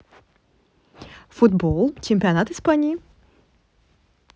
футбол чемпионат испании